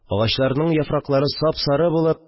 Агачларның яфраклары сап-сары булып